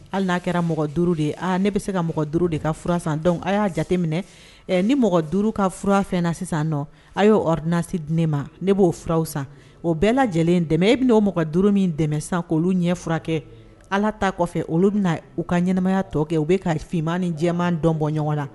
Hali n'a kɛra mɔgɔ duuru de aaa ne bɛ se ka mɔgɔ duuru de ka fura san dɔn a y'a jateminɛ ɛ ni mɔgɔ duuru ka fura fɛn na sisan nɔ a y'o rsi di ne ma ne b'o furaw san o bɛɛ lajɛlen dɛmɛ e bɛna o mɔgɔ duuru min dɛmɛ san k' ɲɛ furakɛ ala t ta kɔfɛ olu bɛna u ka ɲɛnaɛnɛmaya tɔ kɛ u bɛ ka fma ni jɛ dɔn bɔ ɲɔgɔn la